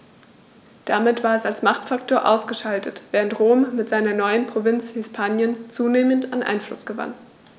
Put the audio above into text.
Damit war es als Machtfaktor ausgeschaltet, während Rom mit seiner neuen Provinz Hispanien zunehmend an Einfluss gewann.